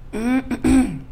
Un